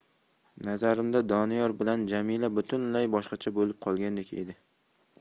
nazarimda doniyor bilan jamila butunlay boshqacha bo'lib qolgandek edi